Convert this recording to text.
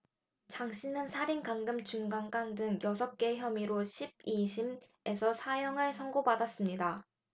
장씨는 살인 감금 준강간 등 여섯 개 혐의로 십 이 심에서 사형을 선고받았습니다